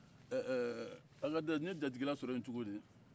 eee eee eee agadɛzi n ye jatigila sɔrɔ yen cogo di